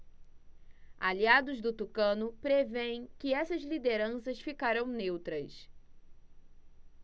aliados do tucano prevêem que essas lideranças ficarão neutras